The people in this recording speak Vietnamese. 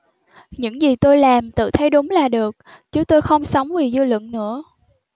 những gì tôi làm tự thấy đúng là được chứ tôi không sống vì dư luận nữa